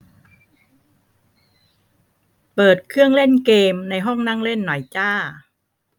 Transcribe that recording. เปิดเครื่องเล่นเกมในห้องนั่งเล่นหน่อยจ้า